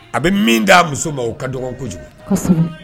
A bɛ min d'a muso ma o ka dɔgɔn kojugu